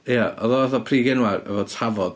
Ia, oedd o fatha pry genwair efo tafod.